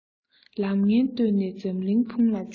ལམ ངན བཏོད ནས འཛམ གླིང འཕུང ལ སྦྱོར